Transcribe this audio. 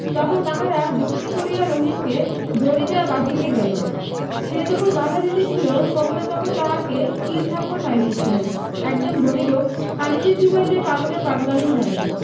তখন তাহারা যুক্তি করিয়া রহিমকে দড়ি দিয়া বাধিতে গেল সে যখন বাধা দিতেছিল সকলে তখন তাহাকে কিল থাপ্পর মারিতেছিল একজন বলিল পানিতে চুবাইলে পাগলের পাগলামী সারে